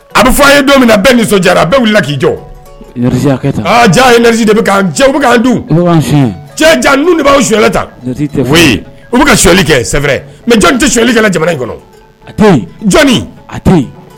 A bɛ fɔ a' ye don min na bɛɛ nisɔndiyara bɛɛ wulila k'i jɔ énergie y'a kɛ tan ɔɔ ja énergie de be k'an d cɛ u bɛ k'an dun u bɛ k'an suɲɛ cɛɛ ja ninnu de b'anw suɲɛla tan oui u bi ka suɲɛli kɛ c'est vrai mais jɔni tɛ suɲɛli kɛla jamana in kɔnɔ a te ye jɔni a te ye